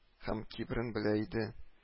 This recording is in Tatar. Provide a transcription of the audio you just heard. Һәм кибрен белә иде